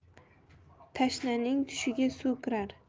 tashnaning tushiga suv kirar